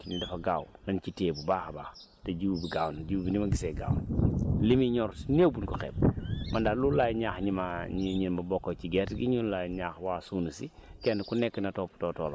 kon buñ amee jiw boo xamante ni dafa gaaw nañ ci téye bu baax a baax te jiw bi gaaw na jiw bi ni ma ko gisee gaaw na li muy ñor su néew buñ ko xeeb man daal loolu laay ñaax ñi ma ñi ñi ma bokkal ci gerte gi loolu laay ñaax waa suuna si